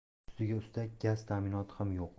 ustiga ustak gaz ta'minoti ham yo'q